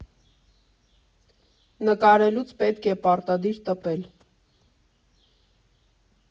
Նկարելուց պետք է պարտադիր տպել։